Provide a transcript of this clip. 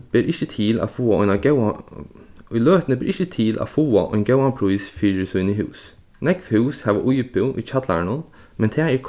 ber ikki til at fáa eina góða í løtuni ber ikki til at fáa ein góðan prís fyri síni hús nógv hús hava íbúð í kjallaranum men tað er